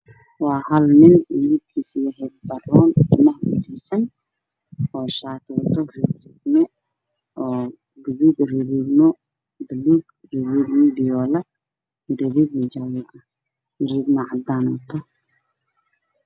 Meeshaan waxaa iga muuqda nin midabkiis yahay baroon shaatiqa waxaa ka dambeeyo nin kale